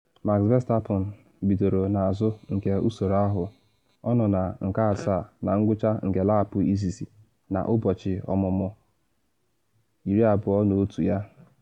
Max Verstappen bidoro n’azụ nke usoro ahụ, ọ nọ na nke asaa na ngwụcha nke lapụ izizi na ụbọchị ọmụmụ 21 ya.